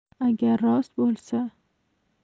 agar rost bo'lsa